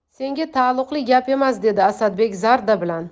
senga taalluqli gap emas dedi asadbek zarda bilan